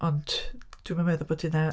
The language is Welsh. Ond, dwi'm yn meddwl bod hynna...